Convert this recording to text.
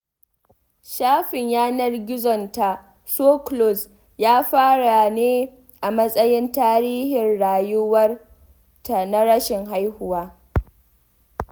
Shafin yanar gizonta, So Close, ya fara ne a matsayin tarihin rayuwar ta na rashin haihuwa